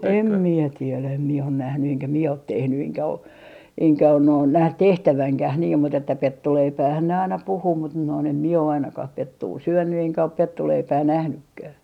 en minä tiedä en minä ole nähnyt enkä minä ole tehnyt enkä ole enkä ole noin nähnyt tehtävänkään niin mutta että pettuleipäähän ne aina puhuu mutta noin en minä ole ainakaan pettua syönyt enkä ole pettuleipää nähnytkään